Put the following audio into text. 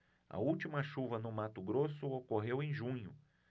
a última chuva no mato grosso ocorreu em junho